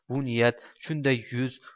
bu niyat shunday yuz